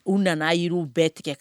U nana y u bɛɛ tigɛ